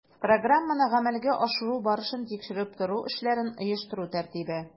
Программаны гамәлгә ашыру барышын тикшереп тору эшләрен оештыру тәртибе